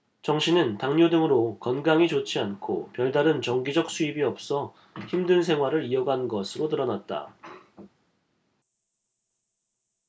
정씨는 당뇨 등으로 건강이 좋지 않고 별다른 정기적 수입이 없어 힘든 생활을 이어간 것으로 드러났다